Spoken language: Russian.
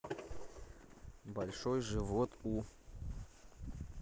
большой живот у